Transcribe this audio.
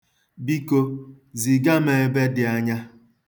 Biko, ziga m ebe dị anya.